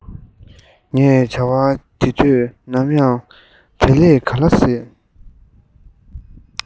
ངས བྱ བ དེ དུས ནམ ཡང བརྗེད ག ལ སྲིད